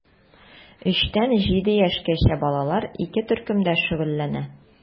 3 тән 7 яшькәчә балалар ике төркемдә шөгыльләнә.